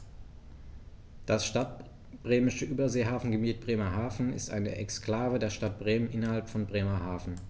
Das Stadtbremische Überseehafengebiet Bremerhaven ist eine Exklave der Stadt Bremen innerhalb von Bremerhaven.